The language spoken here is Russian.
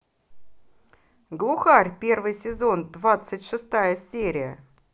глухарь первый сезон двадцать шестая серия